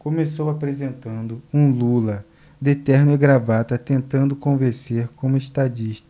começou apresentando um lula de terno e gravata tentando convencer como estadista